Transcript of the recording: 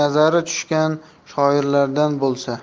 nazari tushgan shoirlardan bo'lsa